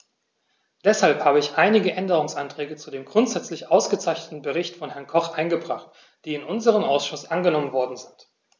Deshalb habe ich einige Änderungsanträge zu dem grundsätzlich ausgezeichneten Bericht von Herrn Koch eingebracht, die in unserem Ausschuss angenommen worden sind.